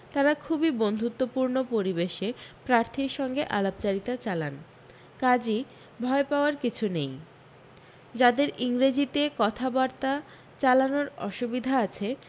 তাঁরা খুবি বন্ধুত্বপূর্ণ পরিবেশে প্রার্থীর সঙ্গে আলাপচারিতা চালান কাজই ভয় পাওয়ার কিছু নেই যাদের ইংরেজিতে কথাবার্তা চালানোর অসুবিধে আছে